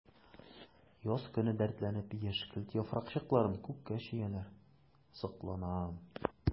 Яз көне дәртләнеп яшькелт яфракчыкларын күккә чөяләр— сокланам.